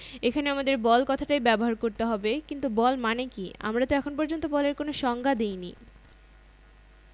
এখানে আমাদের বল কথাটাই ব্যবহার করতে হবে কিন্তু বল মানে কী আমরা তো এখন পর্যন্ত বলের কোনো সংজ্ঞা দিইনি